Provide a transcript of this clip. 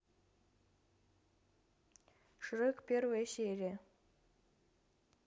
шрек первая серия